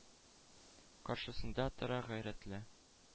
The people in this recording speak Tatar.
Каршысында тора гайрәтле,